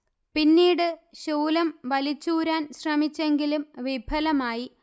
പിന്നീട് ശൂലം വലിച്ചൂരാൻ ശ്രമിച്ചെങ്കിലും വിഫലമായി